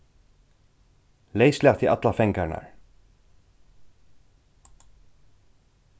leyslatið allar fangarnar